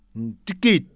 ci këyit